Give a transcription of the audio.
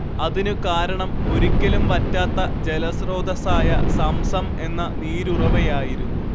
അതിന് കാരണം ഒരിക്കലും വറ്റാത്ത ജലസ്രോതസ്സായ സംസം എന്ന നീരുറവയായിരുന്നു